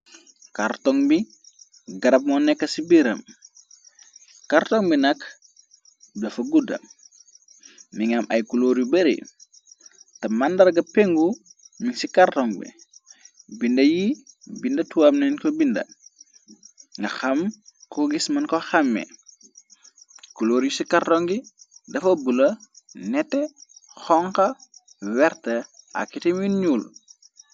Kartong bi garab moo nekk ci biram, kartong bi nak dafa gudda, mi ngi am ay kuloor yu bare, te màndarga pengu mi ci kartong bi, binda yi binda tubaab leen ko binda, nga xam ko gis mën ko xamme, kuloor yu ci kartongi dafa bula, nete, xonxu, werta ak ite mi nuul.